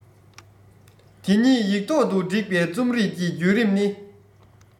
དེ ཉིད ཡིག ཐོག ཏུ བསྒྲིགས པའི རྩོམ རིག གི རྒྱུད རིམ ནི